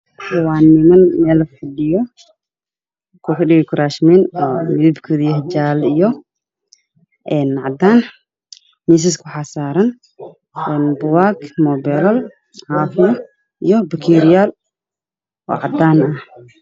Meeshaan waxaa ka muuqdo hool ay ku shirayaan niman miska aya ku fadhiyaan waa jaalo waxaana u saaran buugaag